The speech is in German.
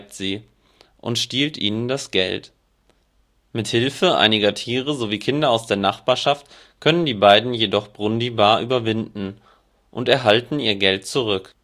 sie und stiehlt ihnen das Geld. Mit Hilfe einiger Tiere sowie Kindern aus der Nachbarschaft können die beiden jedoch Brundibár überwinden, und erhalten ihr Geld zurück